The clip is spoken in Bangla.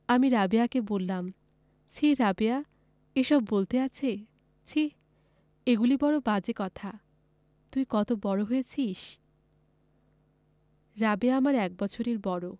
আমি রাবেয়াকে বললাম ছিঃ রাবেয়া এসব বলতে আছে ছিঃ এগুলি বড় বাজে কথা তুই কত বড় হয়েছিস রাবেয়া আমার এক বছরের বড়